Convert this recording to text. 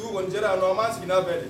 U'u kɔnicɛ a nɔ ma sigi fɛ